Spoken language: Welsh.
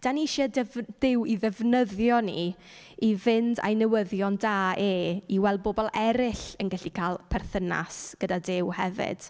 Dan ni isie def- Duw i ddefnyddio ni i fynd â'i newyddion da e, i weld bobl eraill yn gallu cael perthynas gyda Duw hefyd.